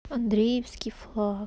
андреевский флаг